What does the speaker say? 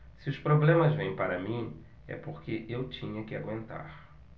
se os problemas vêm para mim é porque eu tinha que aguentar